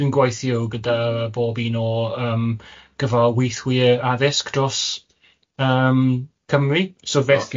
dwi'n gweithio gyda bob un o yym gyfarweithwyr addysg dros yym Cymru, so felly